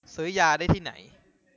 ซื้อยาได้ที่ไหน